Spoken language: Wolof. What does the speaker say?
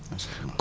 macha allah